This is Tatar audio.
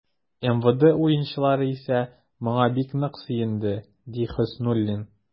МВД уенчылары исә, моңа бик нык сөенде, ди Хөснуллин.